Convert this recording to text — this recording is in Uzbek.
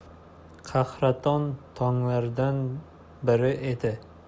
qahraton tonglardan biri edi